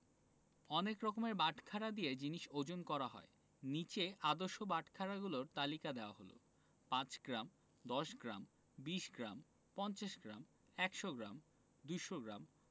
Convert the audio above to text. অনেক রকমের বাটখারা দিয়ে জিনিস ওজন করা হয় নিচে আদর্শ বাটখারাগুলোর তালিকা দেয়া হলঃ ৫ গ্রাম ১০গ্ৰাম ২০ গ্রাম ৫০ গ্রাম ১০০ গ্রাম ২০০ গ্রাম